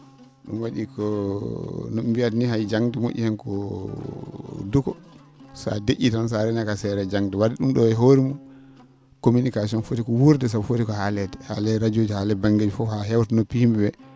?um wa?i ko no ?e mbiyata nii hay jannde mo??i heen ko duko so a de??ii tan so a reenaaki a seera e jannde wadde ?um ?oo e hoore mum communication foti ko wuurde sabu foti ko haaleede haalee e radio ji haalee e ba?ngeeji fof haa heewta noppi yim?e ?ee